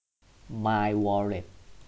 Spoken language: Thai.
มายวอลเล็ต